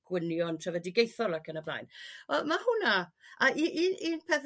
gwynion trefedigaethol ac yn y flaen. Wel ma' hwnna... A u- un un peth